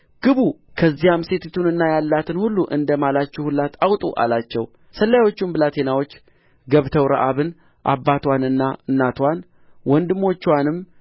ግቡ ከዚያም ሴቲቱንና ያላትን ሁሉ እንደ ማላችሁላት አውጡ አላቸው ሰላዮቹም ብላቴናዎች ገብተው ረዓብን አባትዋንና እናትዋን ወንድሞችዋንም